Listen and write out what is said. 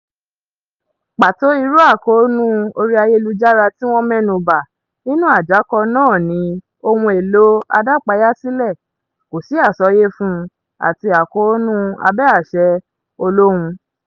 Pàtó irú àkóónú orí ayélujára tí wọ́n mẹ́nubà nínú àjákọ náà ni "ohun èlò adápayàsílẹ̀" (kò sí àsọyé fún un) àti àkóónú abẹ́ àṣẹ olóhun.